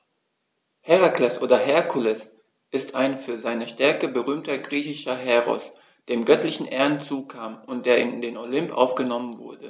Herakles oder Herkules ist ein für seine Stärke berühmter griechischer Heros, dem göttliche Ehren zukamen und der in den Olymp aufgenommen wurde.